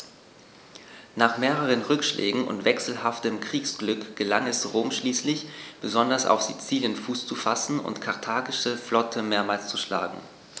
Nach mehreren Rückschlägen und wechselhaftem Kriegsglück gelang es Rom schließlich, besonders auf Sizilien Fuß zu fassen und die karthagische Flotte mehrmals zu schlagen.